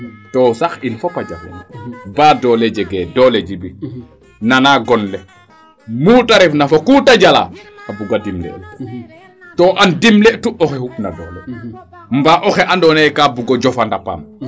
To sax in fop a jafeñu baadoole jegee doole Djiby nana gonle mute refna fo ku ta jalaa a buga dimele'el; to an dimletu oxe xupna doole mbaa oxe andoona yee kaa bugo jofan a paam.